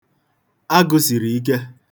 Agụ siri ike.